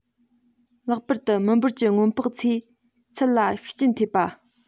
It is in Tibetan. ལྷག པར དུ མི འབོར གྱི སྔོན དཔག ཚེ ཚད ལ ཤུགས རྐྱེན ཐེབས པ